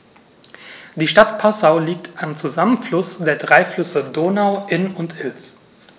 Die Stadt Passau liegt am Zusammenfluss der drei Flüsse Donau, Inn und Ilz.